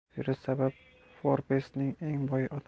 virus sabab forbes'ning eng